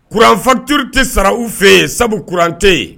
Kuranfanturute sara u fɛ yen sabu kurante yen